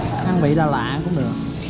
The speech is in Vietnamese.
ăn vị lạ lạ cũng được